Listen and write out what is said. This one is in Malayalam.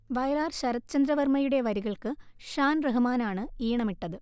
വയലാർ ശരത്ചന്ദ്ര വർമയുടെ വരികൾക്ക് ഷാൻ റഹ്മാനാണ് ഈണമിട്ടത്